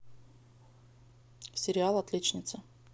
сериал отличница